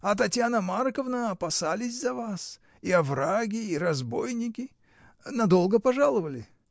— А Татьяна Марковна опасались за вас: и овраги, и разбойники. Надолго пожаловали?